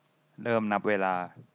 เริ่มนับเวลา